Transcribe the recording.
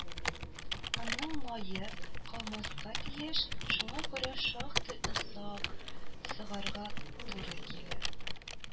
Онның мае калмаска тиеш, шуңа күрә шактый озак сыгарга туры килә